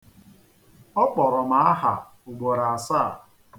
Ọ kpọrọ m aha ugboro asaa.